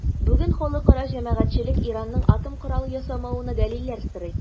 Бүген халыкара җәмәгатьчелек Иранның атом коралы ясамавына дәлилләр сорый.